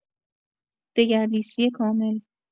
دگردیسی کامل